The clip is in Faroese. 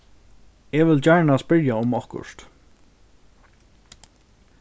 eg vil gjarna spyrja um okkurt